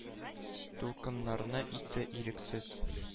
Дулкыннарны итте ирексез,